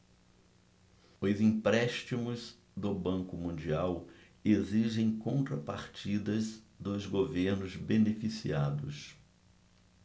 os empréstimos do banco mundial exigem contrapartidas dos governos beneficiados